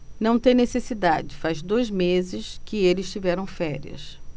não tem necessidade faz dois meses que eles tiveram férias